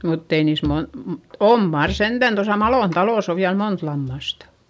mutta ei niissä -- on mar sentään tuossa Malon talossa on vielä monta lammasta